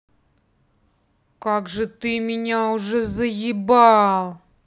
как же ты меня уже заебал